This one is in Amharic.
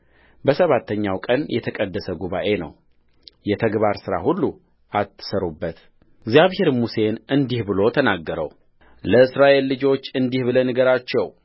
በሰባተኛው ቀን የተቀደሰ ጉባኤ ነው የተግባር ሥራ ሁሉ አትሥሩበትእግዚአብሔርም ሙሴን እንዲህ ብሎ ተናገረውለእስራኤል ልጆች እንዲህ ብለህ ንገራቸው